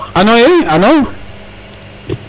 ano yee ano,